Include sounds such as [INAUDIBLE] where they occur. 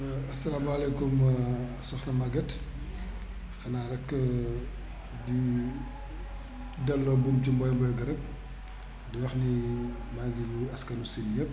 [HESITATION] asalaamaalekum [HESITATION] soxna Maguette xanaa rekk [HESITATION] di delloo buum ci mboy-mboy ga rekk di wax ni maa ngi nuyu askanu siin yépp